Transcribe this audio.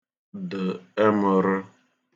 də̣ ẹmə̣rə̣